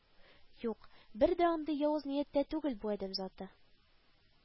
Юк, бер дә андый явыз нияттә түгел бу адәм заты